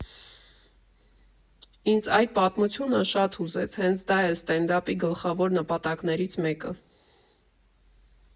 Ինձ այդ պատմությունը շատ հուզեց, հենց դա է սթենդափի գլխավոր նպատակներից մեկը։